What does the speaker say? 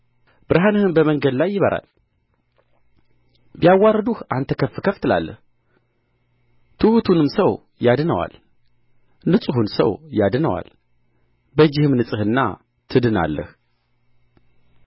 ብርሃንም በመንገድህ ላይ ይበራል ቢያዋርዱህ አንተ ከፍ ከፍ ትላለህ ትሑቱንም ሰው ያድነዋል ንጹሑን ሰው ያድነዋል በእጅህም ንጽሕና ትድናለህ